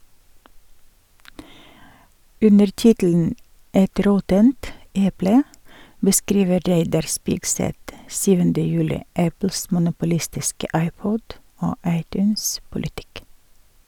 Under tittelen «Et råttent eple» beskriver Reidar Spigseth 7. juli Apples monopolistiske iPod- og iTunes-politikk.